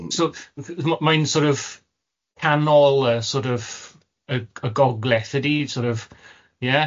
So m- m- mae'n sor' of canol y sort of y y Gogledd ydy sor' of, ie?